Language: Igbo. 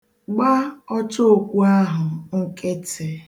Gba ọchookwu ahụ nkịtị.